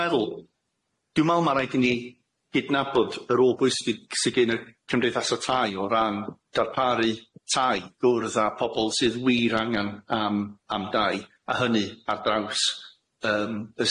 meddwl dwi me'wl ma' raid i ni gydnabod y rô bwysig sy gin y cymdeithasau tai o ran darparu tai gwrdd â pobol sydd wir angan am am dau a hynny ar draws yym y